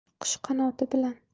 qush qanoti bilan